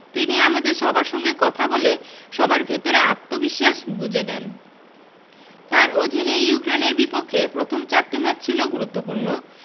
তিনি আমাদের সবার সঙ্গে কথা বলে সবার ভেতরে আত্মবিশ্বাস গুঁজে দেন তাঁর অধীনে ইউক্রেনের বিপক্ষে প্রথম ম্যাচটি ছিল গুরুত্বপূর্ণ